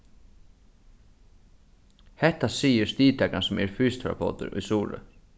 hetta sigur stigtakarin sum er fysioterapeutur í suðuroy